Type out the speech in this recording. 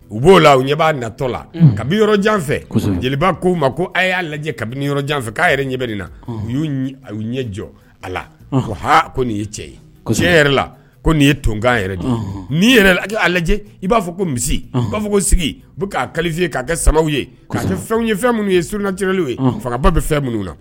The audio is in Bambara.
U b'o la u ɲɛ b'a natɔ la kabi yɔrɔ janfɛ jeliba k'o ma ko a y'a lajɛ kabini yɔrɔ janfɛ k'a yɛrɛ ɲɛ bɛ nin na u y'u ɲɛ jɔ a la ko h nini ye cɛ ye tiɲɛ yɛrɛ la ko nin ye tonkan yɛrɛ n'ia lajɛ i b'a fɔ ko misi b'a fɔ' sigi u bɛ k'a kali ye k'a kɛ sababu ye'a kɛ fɛn ye fɛn minnu ye surununatiliw ye fangaba bɛ fɛn minnu na